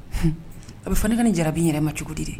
A bɛ fana ne ka nin jara yɛrɛ ma cogodi de